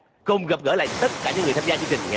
cùng gặp gỡ lại tất cả những người tham gia chương trình